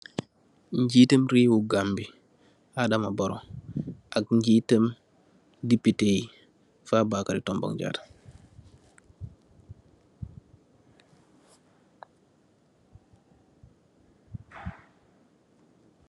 Njiitum rewum Gambi Adama Barrow ak njiitum dipiteh yi Fabakary Tombong Jatta.